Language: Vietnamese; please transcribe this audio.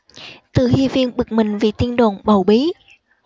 từ hy viên bực mình vì tin đồn bầu bí